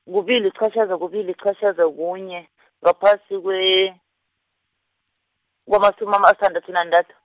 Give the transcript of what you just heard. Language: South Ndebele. kubili, yiqatjhaza, kubili, yiqatjhaza, kunye , ngaphasi kwe-, kwamasumi asithandathu nantathu.